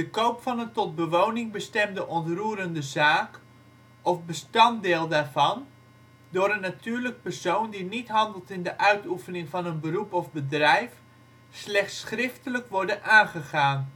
koop van een tot bewoning bestemde onroerende zaak of bestanddeel daarvan, door een natuurlijk persoon is die niet handelt in de uitoefening van een beroep of bedrijf, slechts schriftelijk worden aangegaan